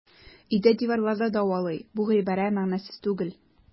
Өйдә диварлар да дәвалый - бу гыйбарә мәгънәсез түгел.